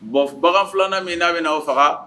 Bɔn bagan filanan min n'a bɛ na' o faga